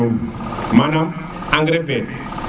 manaam engrais fe